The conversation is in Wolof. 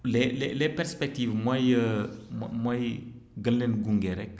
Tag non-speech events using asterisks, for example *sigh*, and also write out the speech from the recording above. les les les perspectives mooy *hesitation* mo mooy gën leen gunge rekk